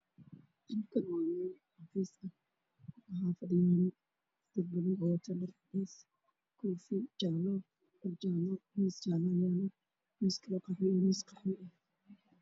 Halkaan waa meel xafiis ah waxaa joogo nin wato dhar jaale, koofi jaale, miis jaale agyaalo, miis kaloo qaxwi ah, mid kaloo qaxwi ah.